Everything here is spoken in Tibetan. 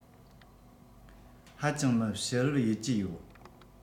ཧ ཅང མི ཕྱི རོལ ཡུལ གྱི ཡོད